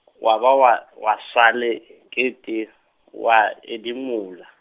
wa ba wa, wa sale, kete, wa, edimola.